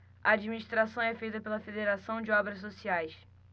a administração é feita pela fos federação de obras sociais